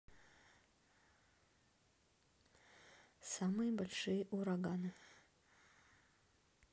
самые большие ураганы